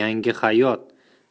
yangi hayot